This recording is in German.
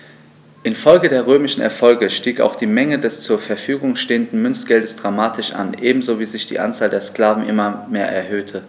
Infolge der römischen Erfolge stieg auch die Menge des zur Verfügung stehenden Münzgeldes dramatisch an, ebenso wie sich die Anzahl der Sklaven immer mehr erhöhte.